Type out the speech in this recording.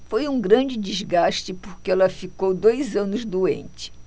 foi um grande desgaste porque ela ficou dois anos doente